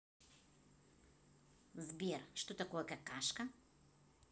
сбер что такое какашка